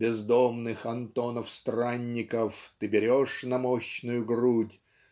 бездомных Антонов Странников ты берешь на мощную грудь